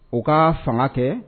O ka fanga kɛ